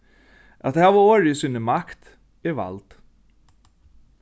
at hava orðið í síni makt er vald